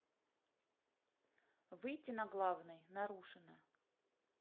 выйти на главный нарушена